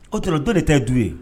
O tora dɔ de ta ye du ye?